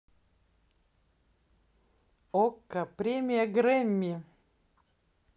okko премия грэмми